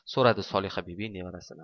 so'radi solihabibi nevarasidan